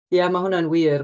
Ia, mae hwnna'n wir.